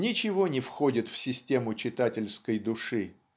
Ничего не входит в систему читательской души.